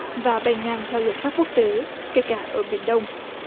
và bay ngang theo luật pháp quốc tế kể cả ở biển đông